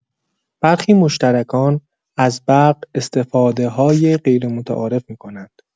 برخی مشترکان از برق استفاده‌های غیرمتعارف می‌کنند.